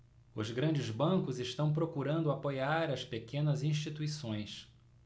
os grandes bancos estão procurando apoiar as pequenas instituições